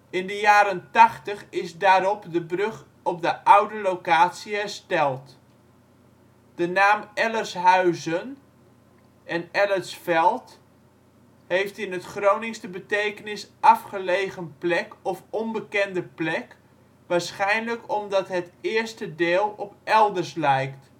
In de jaren 80 is daarop de brug op de oude locatie hersteld. De bruggen bij Ellerhuizen - vooraan de (vernieuwde) Oude, daarachter de nieuwe De naam Ellershuizen (en Eller (t) sveld) heeft in het Gronings de betekenis afgelegen plek of onbekende plek, waarschijnlijk omdat het eerste deel op elders lijkt